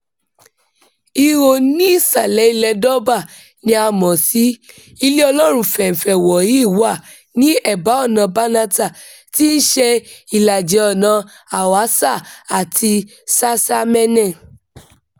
Ihò nísàlẹ̀ ilẹ̀ẹ Dunbar ni a mọ̀ ọ́ sí, ilé Ọlọ́run fẹ̀nfẹ̀ wọ̀nyí wà ní ẹ̀bá ọ̀nàa Banatah tí í ṣe ìlàjì ọ̀nàa Hawassa àti Shashamene.